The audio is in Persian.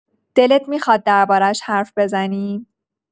دلت می‌خواد درباره‌اش حرف بزنیم؟